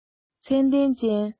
ཚད ལྡན ཅན